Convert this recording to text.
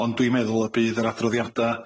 ond dwi'n meddwl y bydd yr adroddiada